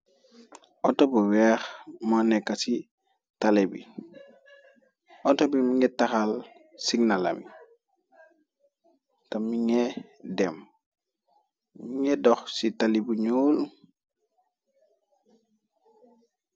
Auto bu weex mo nekka ci taalé bi auto bi mongi taal signalam te monge dem monge dox ci taali bu nuul.